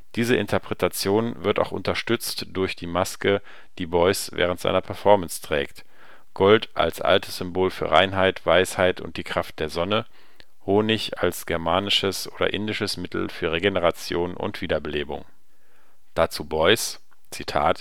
Diese Interpretation wird auch unterstützt durch die „ Maske “, die Beuys während seiner Performance trägt: Gold als altes Symbol für Reinheit, Weisheit und die Kraft der Sonne, Honig als germanisches oder indisches Mittel für Regeneration und Wiederbelebung. Dazu Beuys: „ Für